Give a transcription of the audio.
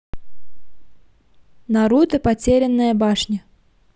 наруто потерянная башня